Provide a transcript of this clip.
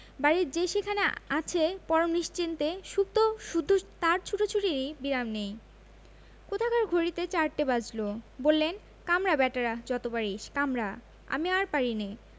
বাড়ির যে সেখানে আছে পরম নিশ্চিন্তে সুপ্ত শুধু তাঁর ছুটোছুটিরই বিরাম নেই কোথাকার ঘড়িতে চারটে বাজলো বললেন কামড়া ব্যাটারা যত পারিস কামড়া আমি আর পারিনে